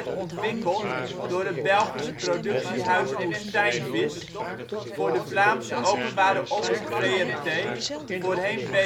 ontwikkeld door het Belgische productiehuis Woestijnvis voor de Vlaamse openbare omroep VRT, voorheen BRT